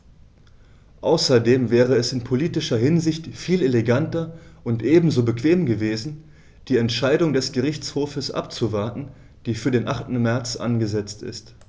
Außerdem wäre es in politischer Hinsicht viel eleganter und ebenso bequem gewesen, die Entscheidung des Gerichtshofs abzuwarten, die für den 8. März angesetzt ist.